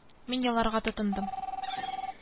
Мин еларга тотындым